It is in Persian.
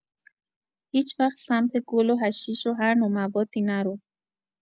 هیچ‌وقت سمت گل و حشیش هر نوع موادی نرو